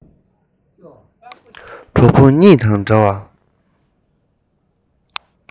གྲོགས པོ གཉིས དང འདྲ བར